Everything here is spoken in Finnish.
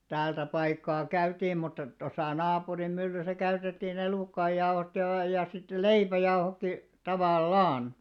täältä paikkaa käytiin mutta tuossa naapurin myllyssä käytettiin elukoiden jauhot ja - ja sitten leipäjauhotkin tavallaan